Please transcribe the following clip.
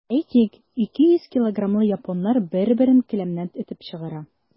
Әйтик, 200 килограммлы японнар бер-берен келәмнән этеп чыгара.